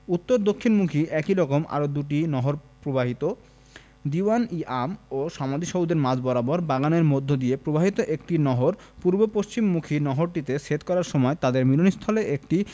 উত্তর দক্ষিণমুখী একই রকম আরও দুটি নহর প্রবাহিত দীউয়ান ই আম ও সমাধিসৌধের মাঝ বরাবর বাগানের মধ্যদিয়ে প্রবাহিত একটি নহর পূর্ব পশ্চিমমুখী নহরটিকে ছেদ করার সময় তাদের মিলনস্থলে একটি